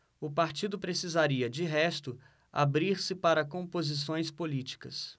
o partido precisaria de resto abrir-se para composições políticas